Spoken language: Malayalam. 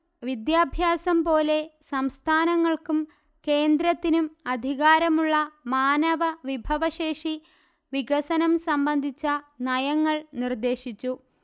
വിദ്യാഭ്യാസം പോലെ സംസ്ഥാനങ്ങൾക്കും കേന്ദ്രത്തിനും അധികാരമുള്ള മാനവ വിഭവശേഷി വികസനം സംബന്ധിച്ച നയങ്ങൾ നിർദ്ദേശിച്ചു